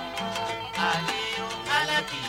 Ntalen ntalen